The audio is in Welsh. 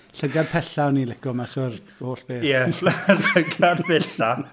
Llygad pellaf o'n i'n licio mas o'r holl beth... Ie, llygad bella'.